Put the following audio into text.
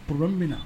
Kolonmina